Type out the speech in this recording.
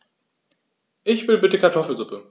Ich will bitte Kartoffelsuppe.